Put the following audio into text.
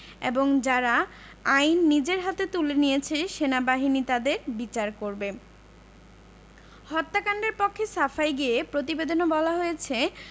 এবং যারা আইন নিজের হাতে তুলে নিয়েছে সেনাবাহিনী তাদের বিচার করবে হত্যাকাণ্ডের পক্ষে সাফাই গেয়ে প্রতিবেদনে বলা হয়েছে